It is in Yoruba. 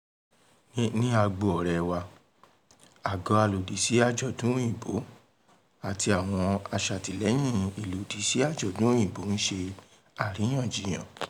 Ní agbo ọ̀rẹ́ẹ wa, àgọ́ alòdìsí àjọ̀dún Òyìnbó àti àwọn aṣàtìlẹ́yìn ilòdìsí àjọ̀dún Òyìnbó ń ṣe àríyànjiyàn.